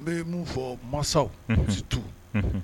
N bɛ mun fɔ masaw misitu